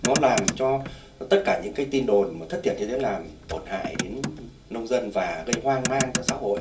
nó làm cho tất cả những cái tin đồn thất thiệt như thế làm tổn hại đến nông dân và gây hoang mang cho xã hội